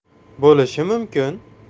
bo'lishi mumkin